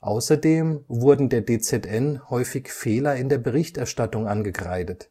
Außerdem wurden der DZN häufig Fehler in der Berichterstattung angekreidet.